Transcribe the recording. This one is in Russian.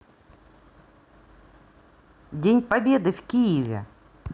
день победы в киеве